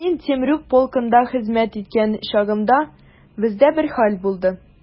Мин Темрюк полкында хезмәт иткән чагымда, бездә бер хәл булды.